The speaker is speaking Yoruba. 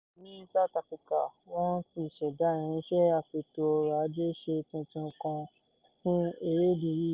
Ní South Africa, wọ́n ti ṣẹ̀dá irinṣẹ́ afètò-ọrọ̀-ajé-ṣe tuntun kan fún erédìí yìí gan.